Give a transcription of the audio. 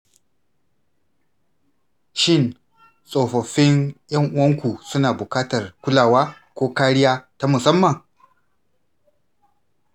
shin tsofaffin ’yan uwanku suna bukatar kulawa ko kariya ta musamman?